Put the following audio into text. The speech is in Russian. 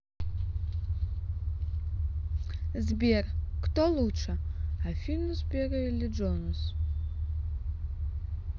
сбер кто лучше афина сбера или jones